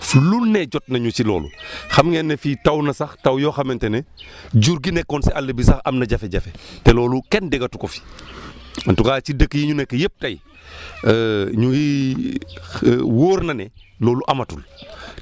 fu lu ne jot nañu si loolu xam ngeen ne fii taw na sax taw yoo xamante ne jur gi nekkoon si àll bi sax am na jafe-jafe te loolu kenn déggatu ko fi en tout cas ci dëkk yi ñu nekk yëpp tey ñu ngi wóor na ne loolu amatul